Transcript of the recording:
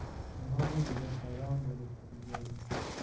nima bu dedi hayron bo'lib iljaydim